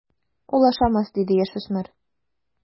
Ул ашамас, - диде яшүсмер.